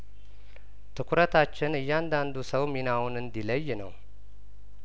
ትኩረታችን እያንዳንዱ ሰው ሚናውን እንዲለይ ነው